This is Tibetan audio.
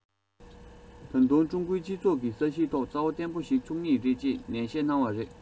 ད དུང ཀྲུང གོའི སྤྱི ཚོགས ཀྱི ས གཞིའི ཐོག རྩ བ བརྟན པོ ཞིག ཚུགས ངེས རེད ཅེས ནན བཤད གནང བ རེད